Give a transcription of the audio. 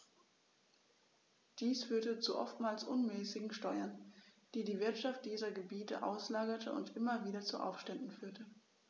Dies führte zu oftmals unmäßigen Steuern, die die Wirtschaft dieser Gebiete auslaugte und immer wieder zu Aufständen führte.